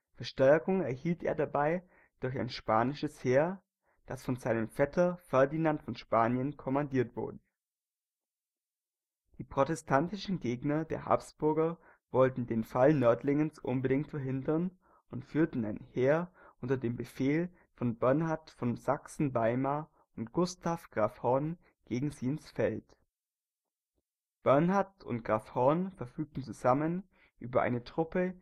Verstärkung erhielt er dabei durch ein spanisches Heer, das von seinem Vetter Ferdinand von Spanien kommandiert wurde. Die protestantischen Gegner der Habsburger wollten den Fall Nördlingens unbedingt verhindern und führten ein Heer unter dem Befehl von Bernhard von Sachsen-Weimar und Gustav Graf Horn gegen sie ins Feld. Bernhard und Graf Horn verfügten zusammen über eine Truppe